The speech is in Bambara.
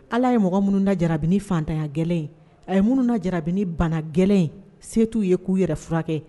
Ala ye mɔgɔ minnu lajarabi ni fantanya gɛlɛn ye, a ye minnu lajarabi ni bana gɛlɛn in se t'u ye k'u yɛrɛ furakɛ.